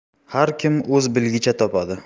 har kim o'z bilgicha topadi